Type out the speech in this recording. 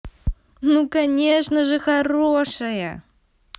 ну конечно же хорошая